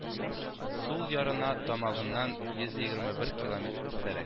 Сул ярына тамагыннан йөз егерме бер километр өстәрәк